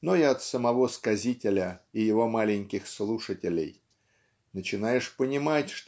но и от самого сказителя и его маленьких слушателей начинаешь понимать